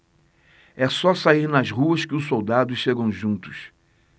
é só sair nas ruas que os soldados chegam junto